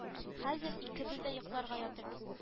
Хәзер икебез дә йокларга ятыйк